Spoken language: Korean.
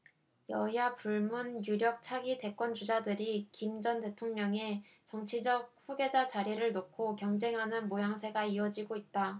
여야 불문 유력 차기 대권주자들이 김 전 대통령의 정치적 후계자 자리를 놓고 경쟁하는 모양새가 이어지고 있다